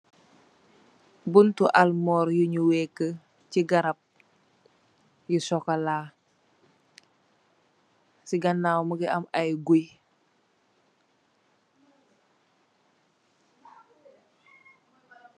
Buntu almuarr yunyi week si garab you socola si ganaw mungi am ayy guyi.